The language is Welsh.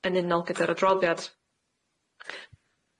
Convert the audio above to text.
yn unol gyda'r adroddiad.